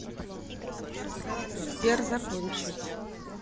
сбер закончить